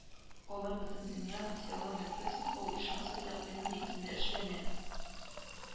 Алар Бөтендөнья сәламәтлек саклау оешмасы тәкъдиме нигезендә эшләнә